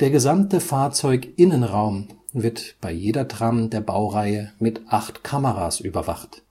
gesamte Fahrzeuginnenraum wird bei jeder Tram der Baureihe mit acht Kameras überwacht